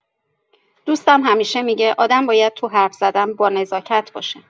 دوستم همیشه می‌گه آدم باید تو حرف‌زدن با نزاکت باشه.